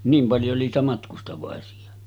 niin paljon oli niitä matkustavaisia